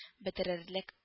Бетерерлек